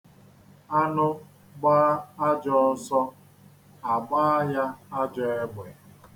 Anụ gbaa ajọ ọsọ, a gbaa ya ajọ egbe. (ilu)